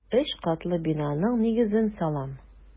Өч катлы бинаның нигезен салам.